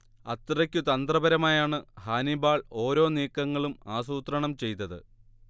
അത്രയ്ക്കു തന്ത്രപരമായാണ് ഹാനിബാൾ ഒരോ നീക്കങ്ങളും ആസൂത്രണം ചെയ്തത്